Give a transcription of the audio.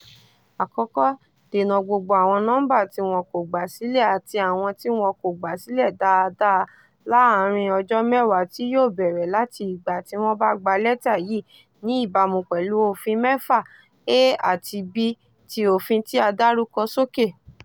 1- Dènà gbogbo àwọn nọ́mbà tí wọ́n ko gbà sílẹ̀ àti àwọn tí wọn kò gbà sílẹ̀ dáadáa láàárín ọjọ́ mẹ́wàá tí yóò bẹ̀rẹ̀ láti ìgbà tí wọ́n bá gba lẹ́tà yìí, ní ìbámu pẹ̀lú Òfin 6(a)ati (b) ti òfin tí a dárúkọ sókè.